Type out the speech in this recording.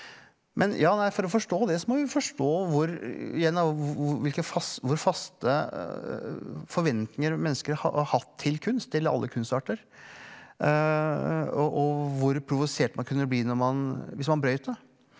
men ja nei for å forstå det så må vi forstå hvor igjen da hvilke hvor faste forventninger mennesker hatt til kunst det gjelder alle kunstarter og og hvor provosert man kunne bli når man hvis man brøyt det.